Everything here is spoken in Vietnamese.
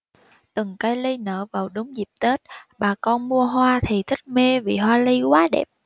từng cây ly nở vào đúng dịp tết bà con mua hoa thì thích mê vì hoa ly quá đẹp